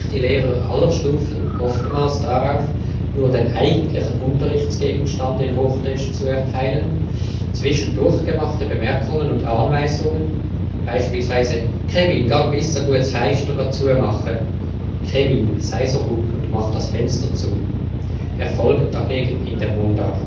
Lehrer aller Stufen oftmals darauf, nur den eigentlichen Unterrichtsgegenstand in Hochdeutsch zu erteilen; zwischendurch gemachte Bemerkungen und Anweisungen (beispielsweise Kevin, gang bis so guet s Fäischter go zuemache " Kevin, sei so gut und mach das Fenster zu! ") erfolgen dagegen in der Mundart